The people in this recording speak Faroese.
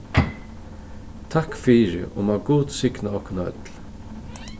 takk fyri og má gud signa okkum øll